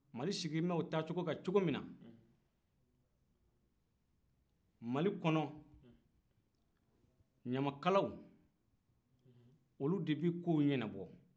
mali sigilen bɛ o taacogo kan cogo min na mali kɔnɔ yamakalaw olu de bɛ ko ɲɛnabɔ